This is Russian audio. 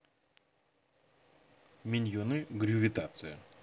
миньоны грювитация